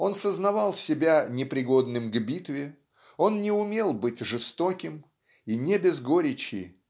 он сознавал себя непригодным к битве он не умел быть жестоким и не без горечи